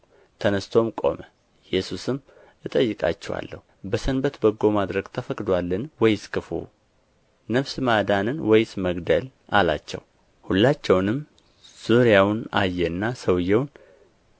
ተነሥቶም ቆመ ኢየሱስም እጠይቃችኋለሁ በሰንበት በጎ ማድረግ ተፈቅዶአልን ወይስ ክፉ ነፍስ ማዳንን ወይስ መግደል አላቸው ሁላቸውንም ዙሪያውን አየና ሰውዬውን